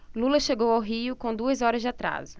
lula chegou ao rio com duas horas de atraso